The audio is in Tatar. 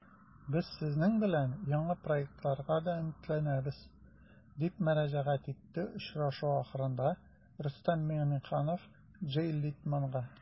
Без сезнең белән яңа проектларга да өметләнәбез, - дип мөрәҗәгать итте очрашу ахырында Рөстәм Миңнеханов Джей Литманга.